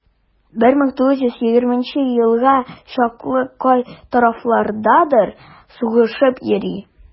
1920 елга чаклы кай тарафлардадыр сугышып йөри.